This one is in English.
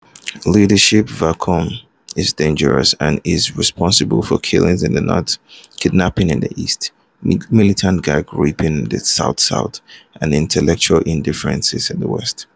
Leadership Vacuum is dangerous and is responsible for killings in the north, kidnapping in the east, Militants gang raping in the South South and intellectual indifference in the west.